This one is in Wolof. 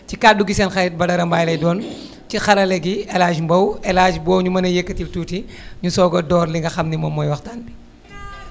ci kaddu gi seen xarit Badara Mbaye lay doon ci xarala gi El hadj Mbow El Hadj boo ñu mënee yëkkatil tuuti ñu soog a door li nga xam ni moom mooy waxtaan bi